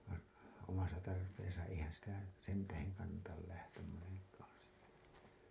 vain omassa tarpeessa eihän sitä sen tähden kannata lähteä monenkaan sinne